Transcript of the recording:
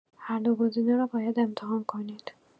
هر دو گزینه را باید امتحان کنید.